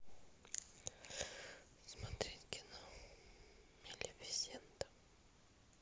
смотреть кино малефисента